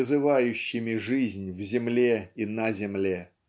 вызывающими жизнь в земле и на земле.